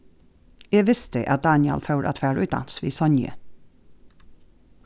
eg visti at dánjal fór at fara í dans við sonju